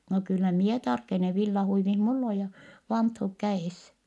no kyllä minä tarkenen villahuivi minulla on ja vanttuut kädessä